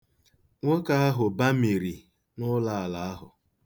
Nwoke ahụ bamiri n'ụlọala ahụ.